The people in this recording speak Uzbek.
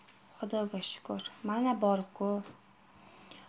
xudoga shukur mana bor ku